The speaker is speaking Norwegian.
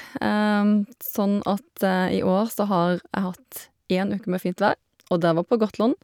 Sånn at i år så har jeg hatt én uke med fint vær, og det var på Gotland.